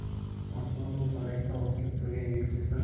osmon u falakda osilib turgan yulduzlar